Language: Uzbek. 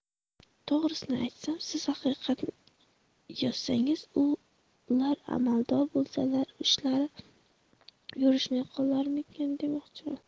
to'g'risini aytsam siz haqiqatni yozsangiz u ular amaldor bo'lsalar ishlari yurishmay qolarmikin demoqchiydim